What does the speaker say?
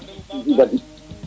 o njubadi